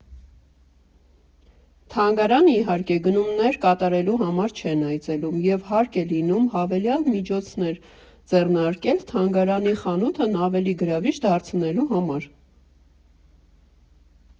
Թանգարան, իհարկե, գնումներ կատարելու համար չեն այցելում և հարկ է լինում հավելյալ միջոցներ ձեռնարկել թանգարանի խանութն ավելի գրավիչ դարձնելու համար։